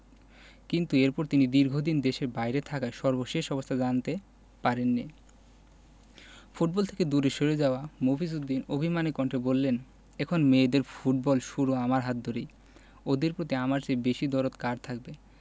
কিন্তু এরপর তিনি দীর্ঘদিন দেশের বাইরে থাকায় সর্বশেষ অবস্থা জানতে পারেননি ফুটবল থেকে দূরে সরে যাওয়া মফিজ উদ্দিন অভিমানী কণ্ঠে বললেন এখন মেয়েদের ফুটবল শুরু আমার হাত ধরেই ওদের প্রতি আমার চেয়ে বেশি দরদ কার থাকবে